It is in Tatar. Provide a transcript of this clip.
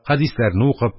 Хәдисләрне укып,